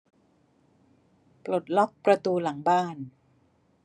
ปลดล็อคประตูหลังบ้าน